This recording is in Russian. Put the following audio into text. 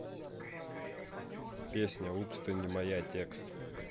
песня упс ты не моя текст